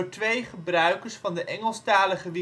twee gebruikers van de Engelstalige